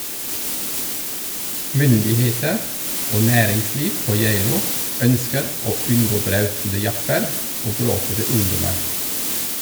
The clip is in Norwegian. Myndigheter og næringsliv på Geilo ønsker å unngå brautende japper og bråkete ungdommer.